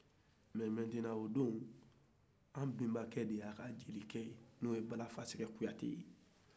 bon maintenant o don anw bɛbakɛ de y'a ka jelikɛ ye i o ye bala fasɛgɛ kuyate ye